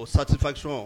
O satifati